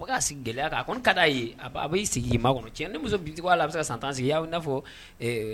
A' gɛlɛya kan a ko ka d'a ye a a b'i sigi' ma kɔnɔ cɛ ni muso bi tɔgɔ' la bɛ se san tan sigiya n fɔ